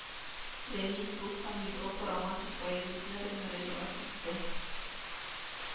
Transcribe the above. Рәмиев рус һәм Европа романтик поэзиясенә дә мөрәҗәгать итте